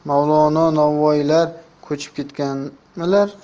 qaradi mavlono novvoylar ko'chib ketganmilar